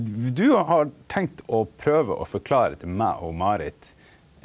v du har tenk å prøve og forklare til meg og Marit.